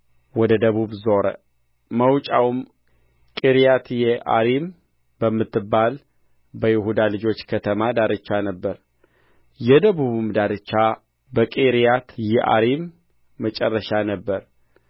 ወደ ደቡብ ዞረ መውጫውም ቂርያትይዓሪም በምትባል በይሁዳ ልጆች ከተማ በቂርያትበኣል ነበረ ይህ የምዕራቡ ዳርቻ ነበረ የደቡብም ዳርቻ ከቂርያትይዓሪም መጨረሻ ነበረ